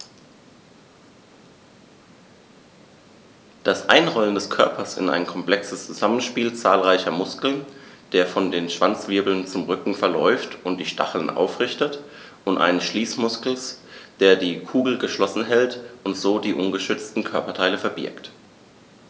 Das Einrollen des Körpers ist ein komplexes Zusammenspiel zahlreicher Muskeln, der von den Schwanzwirbeln zum Rücken verläuft und die Stacheln aufrichtet, und eines Schließmuskels, der die Kugel geschlossen hält und so die ungeschützten Körperteile verbirgt.